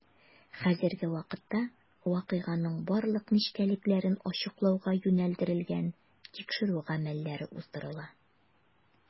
Хәзерге вакытта вакыйганың барлык нечкәлекләрен ачыклауга юнәлдерелгән тикшерү гамәлләре уздырыла.